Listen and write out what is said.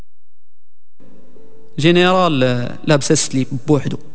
جنرال لابسه سليب